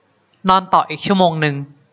นอนต่ออีกชั่วโมงนึง